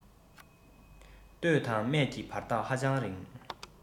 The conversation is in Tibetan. སྟོད དང སྨད ཀྱི བར ཐག ཧ ཅང རིང